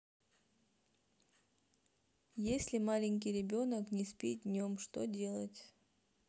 если маленький ребенок не спит днем что делать